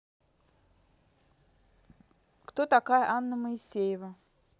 кто такая анна моисеева